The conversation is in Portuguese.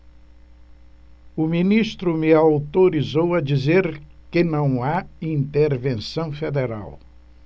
o ministro me autorizou a dizer que não há intervenção federal